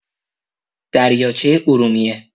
دریاچه ارومیه